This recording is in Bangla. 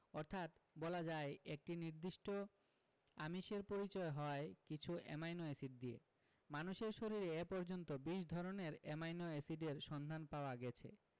অর্থাৎ বলা যায় একটি নির্দিষ্ট আমিষের পরিচয় হয় কিছু অ্যামাইনো এসিড দিয়ে মানুষের শরীরে এ পর্যন্ত ২০ ধরনের অ্যামাইনো এসিডের সন্ধান পাওয়া গেছে